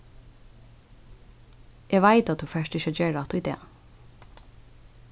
eg veit at tú fert ikki at gera hatta í dag